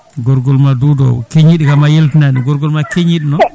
gorgolma Doudowo keñiɗo kam a yaltina ɗum gorgolma keñiɗo noon